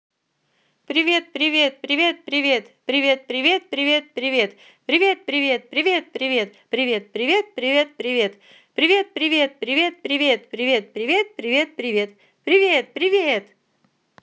привет привет привет привет привет привет привет привет привет привет привет привет привет привет привет привет привет привет привет привет привет привет привет привет привет привет